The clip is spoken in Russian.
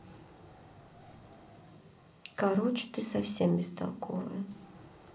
короче ты совсем бестолковая